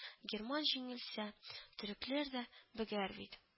Герман жиңелсә, төрекләр дә бөгәр бит